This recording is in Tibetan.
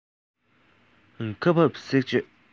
སྐབས བབས གསེག གཅོད